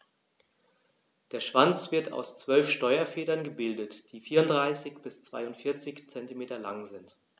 Der Schwanz wird aus 12 Steuerfedern gebildet, die 34 bis 42 cm lang sind.